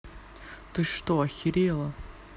ты что охерела